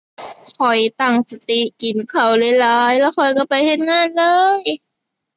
ข้อยตั้งสติกินข้าวหลายหลาย แล้วข้อยก็ไปเฮ็ดงานเลย